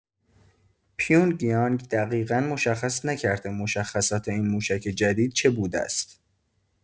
پیونگ‌یانگ دقیقا مشخص نکرده مشخصات این موشک جدید چه بوده است.